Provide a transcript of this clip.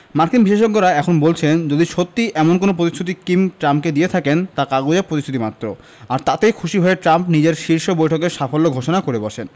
মার্কিন বিশেষজ্ঞেরা এখন বলছেন যদি সত্যি এমন কোনো প্রতিশ্রুতি কিম ট্রাম্পকে দিয়ে থাকেন তা কাগুজে প্রতিশ্রুতিমাত্র আর তাতেই খুশি হয়ে ট্রাম্প নিজের শীর্ষ বৈঠকের সাফল্য ঘোষণা করে বসেন